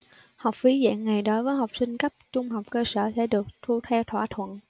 học phí dạy nghề đối với học sinh cấp trung học cơ sở sẽ được thu theo thỏa thuận